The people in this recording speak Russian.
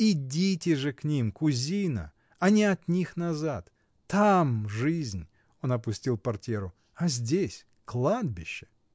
Идите же к ним, кузина, а не от них назад! Там жизнь. — Он опустил портьеру. — А здесь — кладбище.